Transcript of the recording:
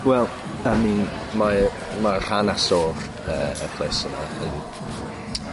Wel 'dan ni'n...Mae'r mae'r hanes o'r yy y place yna yn